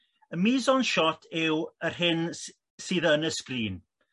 y mise-en-shot yw yr hyn sydd yn y sgrin